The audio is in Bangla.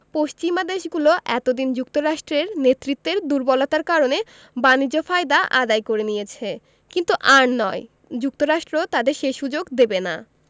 পশ্চিমা দেশগুলো এত দিন যুক্তরাষ্ট্রের নেতৃত্বের দুর্বলতার কারণে বাণিজ্য ফায়দা আদায় করে নিয়েছে কিন্তু আর নয় যুক্তরাষ্ট্র তাদের সে সুযোগ দেবে না